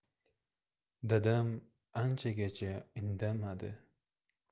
dadam anchagacha indamadi